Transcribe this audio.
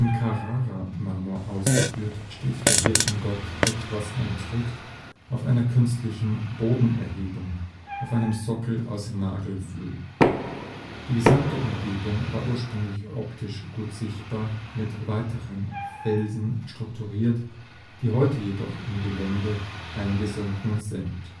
Carrara-Marmor ausgeführt, steht der Hirtengott etwas entrückt auf einer künstlichen Bodenerhebung auf einem Sockel aus Nagelfluh. Die gesamte Umgebung war ursprünglich optisch gut sichtbar mit weiteren Felsen strukturiert, die heute jedoch im Gelände eingesunken sind